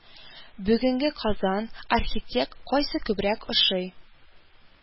Бүгенге Казан, архитек- кайсы күбрəк ошый